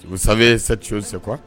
vous savez cette chose c'est quoi ?